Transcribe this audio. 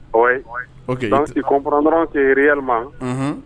Ɔ kɔnp tɛma